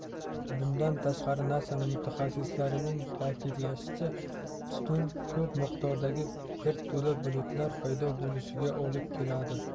bundan tashqari nasa mutaxassislarining ta'kidlashicha tutun ko'p miqdordagi bir to'da bulutlar paydo bo'lishiga olib keladi